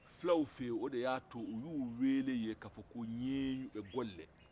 fulaw fɛ yen o de ya to o y'u wele yen ka fɔ ɲɛɲun gɔlɛ